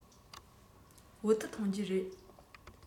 བོད ཐུག འཐུང རྒྱུ རེད